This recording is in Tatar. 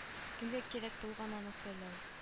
Кемгә кирәк булган аны сайлау